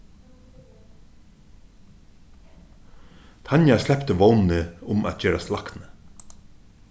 tanja slepti vónini um at gerast lækni